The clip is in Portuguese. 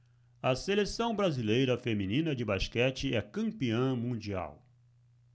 a seleção brasileira feminina de basquete é campeã mundial